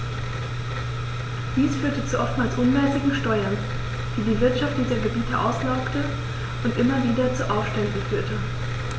Dies führte zu oftmals unmäßigen Steuern, die die Wirtschaft dieser Gebiete auslaugte und immer wieder zu Aufständen führte.